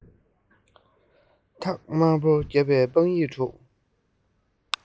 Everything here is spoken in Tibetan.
ཐམ ག དམར པོ བརྒྱབ པའི དཔང ཡིག དྲུག